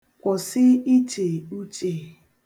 Kwụsị iche uche.